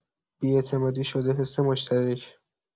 بی‌اعتمادی شده حس مشترک.